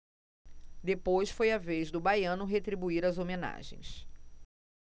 depois foi a vez do baiano retribuir as homenagens